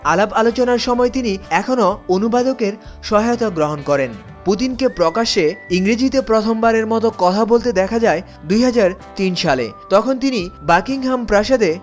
আলাপ আলোচনার সময় তিনি এখনও অনুবাদকের সহায়তা গ্রহণ করেন পুতিনকে প্রকাশে ইংরেজিতে প্রথম বারের মত কথা বলতে দেখা যায় ২০০৩ সালে তখন তিনি বাকিংহাম প্রাসাদে